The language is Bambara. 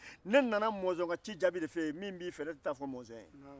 ne nana mɔnzɔn ka ci jaabi de fɔ e ye min b'i fɛ ne tɛ taa a fɔ mɔnzɔn